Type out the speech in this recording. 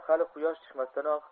hali quyosh chiqmasdanoq